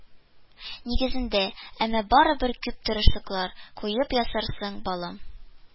Нигезендә, әмма барыбер күп тырышлыклар куеп ясарсың, балам